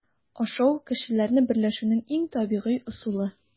Ашау - кешеләрне берләшүнең иң табигый ысулы.